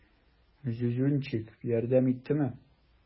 Зюзюнчик, ярдәм итимме?